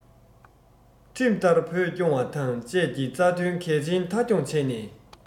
ཁྲིམས ལྟར བོད སྐྱོང བ དང བཅས ཀྱི རྩ དོན གལ ཆེན མཐའ འཁྱོངས བྱས ནས